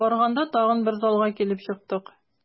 Барганда тагын бер залга килеп чыктык.